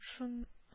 Шун